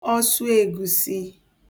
ọsụègusi